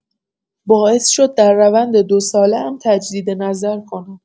باعث شد در روند دو ساله‌ام تجدیدنظر کنم.